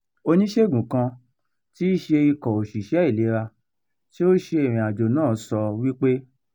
Oníṣègùn kan tí í ṣe ikọ̀ òṣìṣẹ́ ìlera tí ó ṣe ìrìnàjò náà sọ wípé: